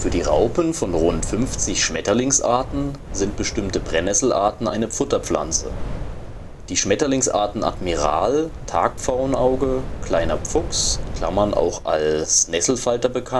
die Raupen von rund 50 Schmetterlingsarten sind bestimmte Brennnessel-Arten eine Futterpflanze. Die Schmetterlingsarten Admiral, Tagpfauenauge, Kleiner Fuchs (auch als Nesselfalter bekannt